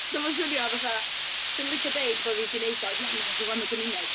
So mae'n swnio fatha 'swn i'n licio deud 'bo fi 'di wneud o, "ia, meddwl am y gymuned".